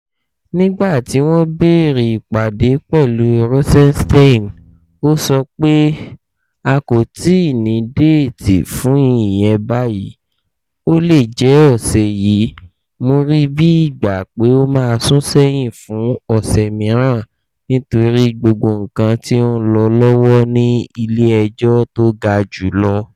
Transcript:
Nígbà tí wọ́n bèèrè ìpàdé pẹ̀lú Rosenstein, ó sọ pé: "A kò tíì ní déètì fún ìyẹn báyìí, ó le jẹ́ ọ̀ṣẹ̀ yìí, mó rí bí ìgbà pé ó máa sún ṣẹ́yìn fún ọ̀ṣẹ̀ míràn nítorí gbogbo nǹkan tí ó ń lọ lọ́wọ́ ní ilé ẹjọ́ tó ga jùlọ.